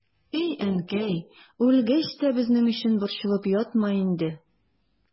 И әнкәй, үлгәч тә безнең өчен борчылып ятма инде.